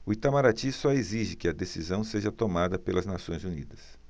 o itamaraty só exige que a decisão seja tomada pelas nações unidas